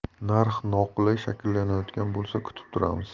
narx noqulay shakllanayotgan bo'lsa kutib turamiz